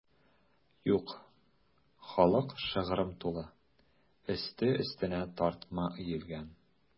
Юк, халык шыгрым тулы, өсте-өстенә тартма өелгән.